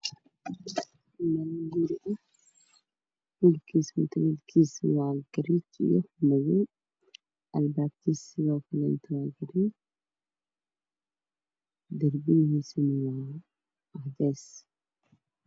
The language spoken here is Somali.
Waa guri dhulkiisa ama mutuleelkiisa waa garee iyo madow. Albaabkuna waa gaduud , darbiguna Waa cadeys.